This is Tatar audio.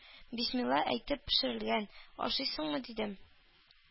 Бисмилла әйтеп пешерелгән, ашыйсыңмы?” – дидем.